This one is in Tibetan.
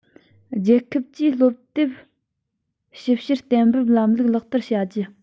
རྒྱལ ཁབ ཀྱིས སློབ དེབ ཞིབ བཤེར གཏན འབེབས ལམ ལུགས ལག བསྟར བྱ རྒྱུ